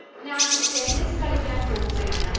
ഞാൻ ടെന്നിസ് കളിക്കാൻ പോവുകയാണ്